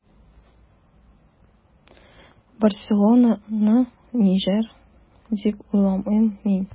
“барселона”ны җиңәр, дип уйламыйм мин.